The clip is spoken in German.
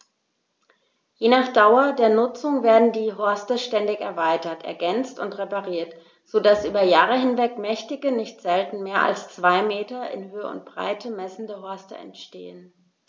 Je nach Dauer der Nutzung werden die Horste ständig erweitert, ergänzt und repariert, so dass über Jahre hinweg mächtige, nicht selten mehr als zwei Meter in Höhe und Breite messende Horste entstehen.